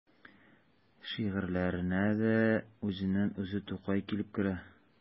Шигырьләренә дә үзеннән-үзе Тукай килеп керә.